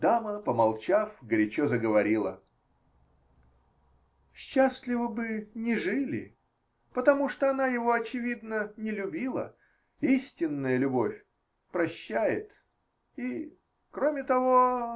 Дама, помолчав, горячо заговорила: -- Счастливо бы не жили, потому что она его, очевидно, не любила: истинная любовь прощает. и, кроме того.